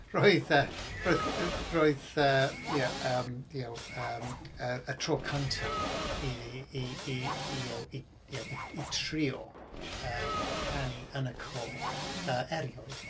Roedd yy... roedd g- roedd yy i- yy y'know yym y tro cyntaf i fi i i i y'know i y'know i trio sh- yy canu yn y côr yy erioed.